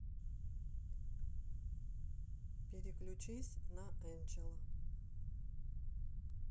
переключись на angelo